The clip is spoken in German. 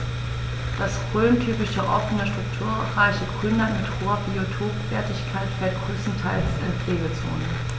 Das rhöntypische offene, strukturreiche Grünland mit hoher Biotopwertigkeit fällt größtenteils in die Pflegezone.